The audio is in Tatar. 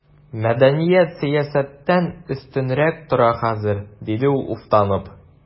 Мәдәният сәясәттән өстенрәк тора хәзер, диде ул уфтанып.